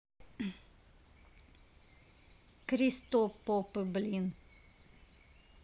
christophe попы блин